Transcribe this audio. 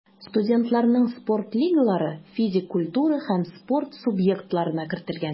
Студентларның спорт лигалары физик культура һәм спорт субъектларына кертелгән.